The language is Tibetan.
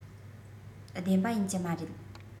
བདེན པ ཡིན གྱི མ རེད